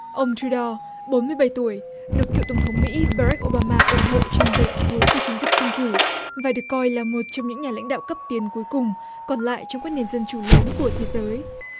ông ru đo bốn mươi bảy tuổi được cựu tổng thống mỹ ba rắc ô ba ma ủng hộ trong giai đoạn cuối của chiến dịch tranh cử và được coi là một trong những nhà lãnh đạo cấp tiền cuối cùng còn lại trong quyết nền dân chủ lớn của thế giới